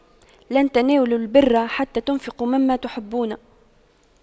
لَن تَنَالُواْ البِرَّ حَتَّى تُنفِقُواْ مِمَّا تُحِبُّونَ